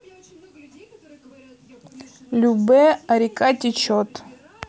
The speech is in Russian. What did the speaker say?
любэ а река течет